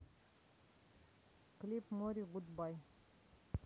клип море гудбай